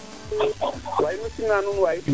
waay maxey simna nuun waay